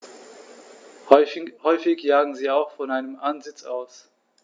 Häufig jagen sie auch von einem Ansitz aus.